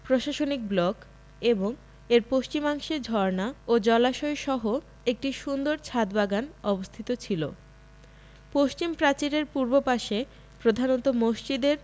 প্রশাসনিক ব্লক এবং এর পশ্চিমাংশে ঝর্ণা ও জলাশয়সহ একটি সুন্দর ছাদ বাগান অবস্থিত ছিল পশ্চিম প্রাচীরের পূর্ব পাশে প্রধানত মসজিদের